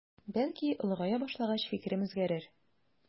Бәлки олыгая башлагач фикерем үзгәрер.